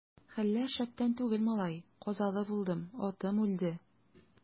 Хәлләр шәптән түгел, малай, казалы булдым, атым үлде.